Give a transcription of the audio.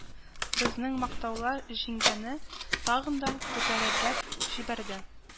Безнең мактаулар җиңгәне тагын да күтәребрәк җибәрде